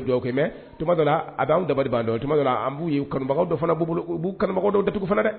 dɔ la a bɛ an da b'bagaw dɔ fana bolo u b'bagawdɔ dat dɛ